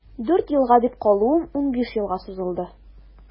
Дүрт елга дип калуым унбиш елга сузылды.